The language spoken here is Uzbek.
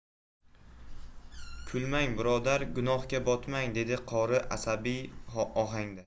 kulmang birodar gunohga botmang dedi qori asabiy ohangda